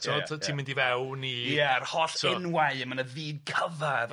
T'mod dy- ti'n mynd i fewn i... Ia yr holl enwau a ma' na fyd cyfa